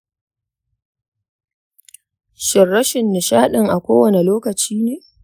shin rashin nishaɗin a kowane lokaci ne